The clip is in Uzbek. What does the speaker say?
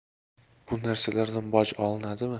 bu narsalardan boj olinadimi